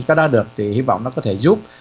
cái đó được thì hy vọng nó có thể giúp